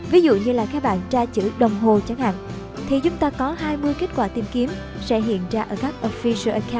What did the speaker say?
ví dụ các bạn tra chữ đồng hồ chẳng hạn thì có kết quả tìm kiếm sẽ hiện ra ở các official account